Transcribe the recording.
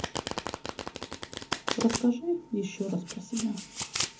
расскажи еще раз про себя